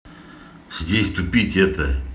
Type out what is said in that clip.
здесь тупить это